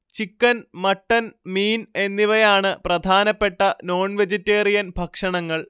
chicken mutton മീൻ എന്നിവയാണ് പ്രധാനപ്പെട്ട നോൺവെജിറ്റേറിയൻ ഭക്ഷണങ്ങൾ